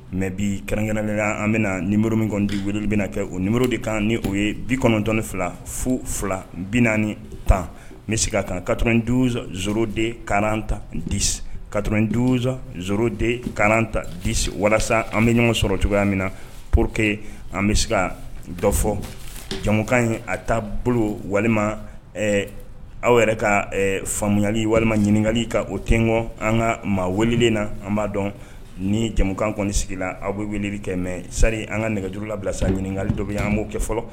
Mɛ bi karɛnkɛla an bɛna nioro min kɔnidi wele bɛna kɛ o nioro de kan ni o ye bi kɔnɔntɔnɔni fila fo fila bi naani tan n bɛ se ka kan katorenzoroden ka ta di katoren sonzro de ka ta di walasa an bɛ ɲɔgɔn sɔrɔ cogoya min na po que an bɛ se dɔ fɔ jamukan in a taabolo bolo walima aw yɛrɛ ka faamuyayali walima ɲininkakali ka o tenk an ka maa welelen na an b'a dɔn ni jamukan kɔni sigila aw bɛ wele kɛ mɛ sa an ka nɛgɛjuru labilasa ɲininkaka dɔ bɛ an b'o kɛ fɔlɔ